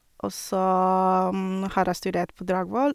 Og så har jeg studert på Dragvoll.